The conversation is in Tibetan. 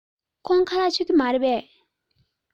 ཁོང ཁ ལག མཆོད ཀྱི མ རེད པས